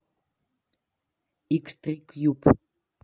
икс три кьюб